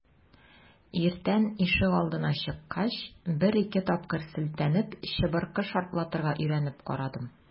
Иртән ишегалдына чыккач, бер-ике тапкыр селтәнеп, чыбыркы шартлатырга өйрәнеп карадым.